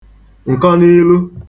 ǹkọnilu